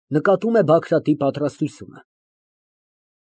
Նկատում է Բագրատի պատրաստությունը)։